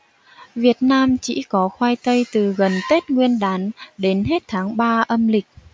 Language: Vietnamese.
việt nam chỉ có khoai tây từ gần tết nguyên đán đến hết tháng ba âm lịch